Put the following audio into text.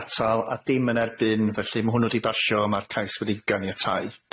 atal a dim yn erbyn felly ma' hwnnw 'di basio ma'r cais wedi'w ganiatáu.